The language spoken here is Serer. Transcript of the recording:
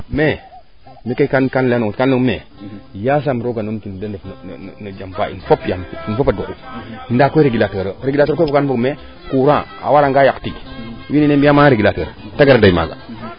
me mi kay kam leyonge me yasam rooga num tin de ndef no jam ba in fop yaam in fopa duqu ndaa koy regulateur o regulateur koy kam foog me courant a wara nga yaq tik wiin na mbinya regulateur te gara dey maaga